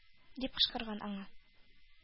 Дип кычкырган аңа.